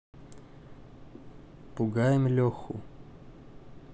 пугаем леху